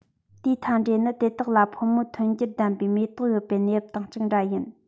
དེའི མཐའ འབྲས ནི དེ དག ལ ཕོ མོ ཐོར འགྱུར ལྡན པའི མེ ཏོག ཡོད པའི གནས བབ དང གཅིག འདྲ ཡིན